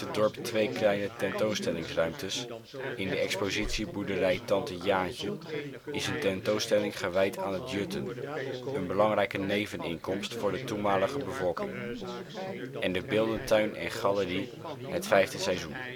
dorp twee kleine tentoonstellingsruimtes; in de expositieboerderij Tante Jaantje is een tentoonstelling gewijd aan het jutten, een belangrijke neveninkomst voor de toenmalige bevolking. En de Beeldentuin en Galerie " Het Vijfde Seizoen